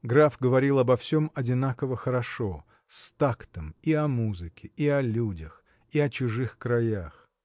Граф говорил обо всем одинаково хорошо с тактом и о музыке и о людях и о чужих краях.